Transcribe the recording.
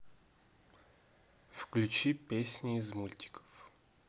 включи песни из мультиков